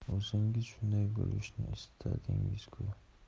o'zingiz shunday bo'lishini istardingiz ku